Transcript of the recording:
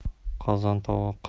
qozon tovoq